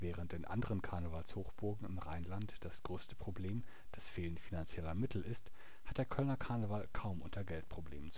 Während in anderen Karnevalshochburgen im Rheinland das größte Problem das Fehlen finanzieller Mittel ist, hat der Kölner Karneval kaum unter Geldproblemen